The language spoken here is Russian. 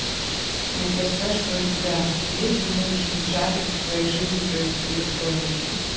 нет я спрашиваю у тебя есть друг джарвис в твоей жизни то есть в электронике